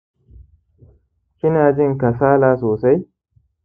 kinajin kasala sosai?